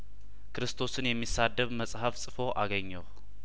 ክርስቶስን የሚሳደብ መጽሀፍ ጽፎ አገኘሁ